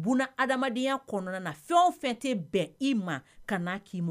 Buna ha adamadenyaya kɔnɔna na fɛn o fɛn tɛ bɛn i ma ka n'a k'i ma